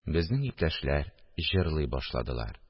Безнең иптәшләр җырлый башладылар